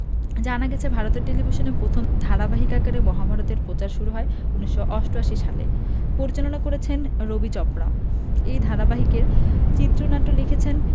জানা গেছে ভারতের টেলিভিশনে প্রথম ধারাবাহিক আকারে মহাভারত এর প্রচার শুরু হয় ১৯৮৮ সালে পরিচালনা করেছেন রবি চোপড়া এই ধারাবাহিকের চিত্রনাট্য লিখেছেন